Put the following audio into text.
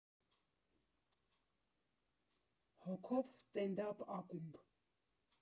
Հոգով ստենդափ ակումբ։